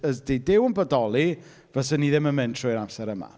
Os 'di Duw'n bodoli, faswn i ddim yn mynd trwy'r amser yma.